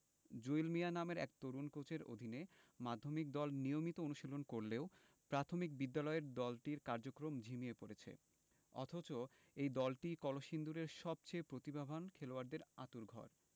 জুয়েল মিয়া নামের এক তরুণ কোচের অধীনে মাধ্যমিক দল নিয়মিত অনুশীলন করলেও প্রাথমিক বিদ্যালয়ের দলটির কার্যক্রম ঝিমিয়ে পড়েছে অথচ এই দলটিই কলসিন্দুরের সবচেয়ে প্রতিভাবান খেলোয়াড়দের আঁতুড়ঘর